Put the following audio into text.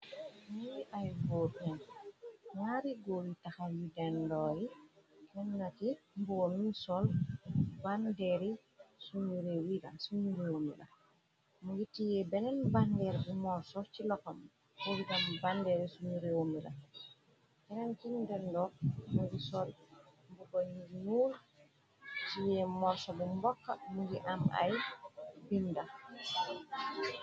mingi ay boopen ñaari góoli taxaw yu dendooyi kennaki mbuo mi sol bandee usuñu réewu mi la mungi tiyee beneen bandeer bi morsof ci loko oben bandeeri suñu réewumi la kenem ci ndendoo mungi sool mbugo yu ñuul ciyee morso bi mbokk mungi am ay binda